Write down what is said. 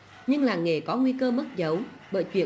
nhưng làng nghề có nguy cơ mất dấu bởi chuyện